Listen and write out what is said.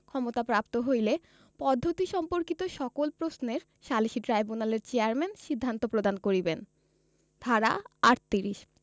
ক্ষমতাপ্রাপ্ত হইলে পদ্ধতি সম্পর্কিত সকল প্রশ্নের সালিসী ট্রাইব্যুনালের চেয়ারম্যান সিদ্ধান্ত প্রদান করিবেন ধারা ৩৮